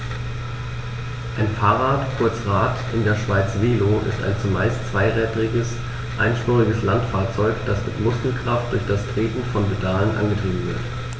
Ein Fahrrad, kurz Rad, in der Schweiz Velo, ist ein zumeist zweirädriges einspuriges Landfahrzeug, das mit Muskelkraft durch das Treten von Pedalen angetrieben wird.